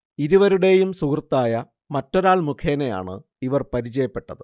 ഇരുവരുടെയും സുഹൃത്തായ മറ്റൊരാൾ മുഖേനയാണ് ഇവർ പരിചയപ്പെട്ടത്